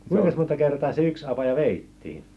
kuinkas monta kertaa se yksi apaja vedettiin